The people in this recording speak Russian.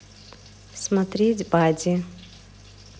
смотреть бади